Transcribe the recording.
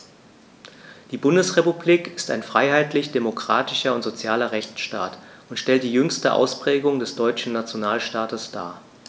Die Bundesrepublik ist ein freiheitlich-demokratischer und sozialer Rechtsstaat und stellt die jüngste Ausprägung des deutschen Nationalstaates dar.